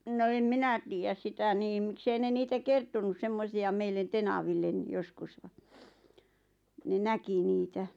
no en minä tiedä sitä niin miksi ei ne niitä kertonut semmoisia meille tenaville joskus vaan ne näki niitä